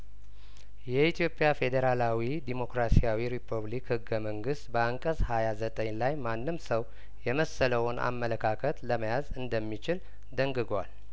የኢትዮጵያ ፌዴራላዊ ዲሞክራሲያዊ ሪፐብሊክ ህገ መንግስት በአንቀጽ ሀያዘጠኝ ላይ ማንም ሰው የመሰለውን አመለካከት ለመያዝ እንደሚችል ደንግጓል